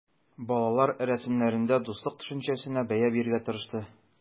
Балалар рәсемнәрендә дуслык төшенчәсенә бәя бирергә тырышты.